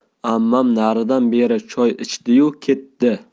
ammam naridan beri choy ichdi yu